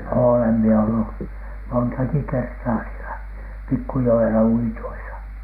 olen minä ollut montakin kertaa siellä pikkujoella uitoissa